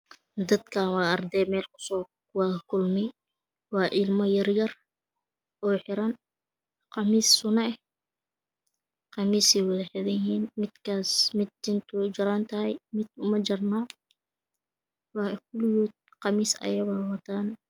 Dadkaan waa ardey oo meel ku so wada kulmey waa ilmo yar yar oo xiran qamis suno eh qamise wada xeran yihiin midkaas mid tinta u jaraan tahay mid ma ujarno wayo kuligod qamis ayey wada wataan